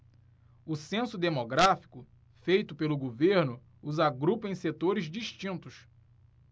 o censo demográfico feito pelo governo os agrupa em setores distintos